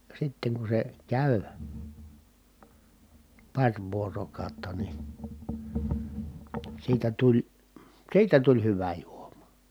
sitten kun se kävi pari vuorokautta niin siitä tuli siitä tuli hyvä juoma